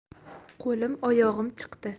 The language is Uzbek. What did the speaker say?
qo'lim oyog'im chiqdi